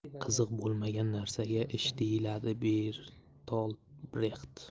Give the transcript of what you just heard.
qiziq bo'lmagan narsaga ish deyiladi bertold brext